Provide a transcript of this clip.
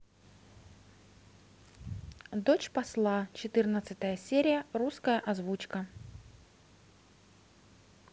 дочь посла четырнадцатая серия русская озвучка